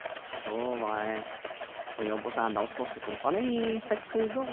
Og da var jeg på jobb hos Arendals Fossekompani i seks uker.